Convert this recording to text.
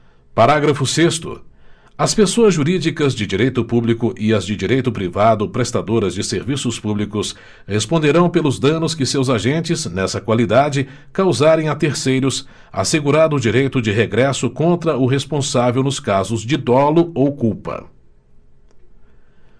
parágrafo sexto as pessoas jurídicas de direito público e as de direito privado prestadoras de serviços públicos responderão pelos danos que seus agentes nessa qualidade causarem a terceiros assegurado o direito de regresso contra o responsável nos casos de dolo ou culpa